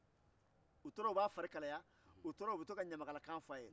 u tora u b'a fari kalaya u tora u bɛ ɲamakalakan fɔ a ye